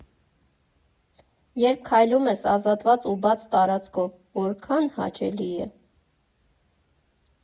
Երբ քայլում ես ազատված ու բաց տարածքով, որքա՜ն հաճելի է։